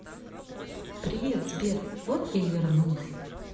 привет сбер вот я и вернулся